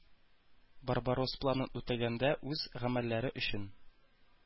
“барбаросс” планын үтәгәндә үз гамәлләре өчен